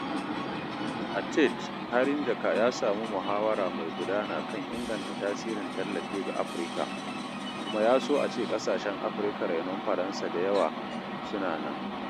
A TED, Harinjaka ya samu muhawara mai gudana kan inganta tasirin tallafi ga Afirka, kuma ya so ace ƙasashen Afirka rainon Faransa da yawa suna nan.